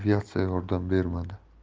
aviatsiya yordam bermadi